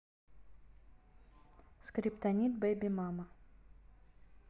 скриптонит baby mama